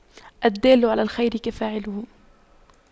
الدال على الخير كفاعله